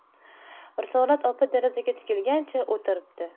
risolat opa derazaga tikilgancha o'tiribdi